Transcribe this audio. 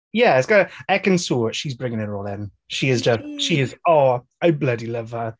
Ie, it's got... Ekin-Su, she's bringing it all in. She is ju- She is, oh! I bloody love her.